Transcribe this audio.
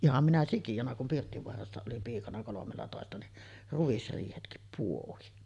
ihan minä sikiönä kun Pirttivaarassa olin piikana kolmellatoista niin ruisriihetkin pohdin